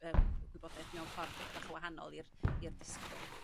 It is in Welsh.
yy gwybodaeth mewn ffor' dipyn bach yn wahanol i'r i'r disgybl.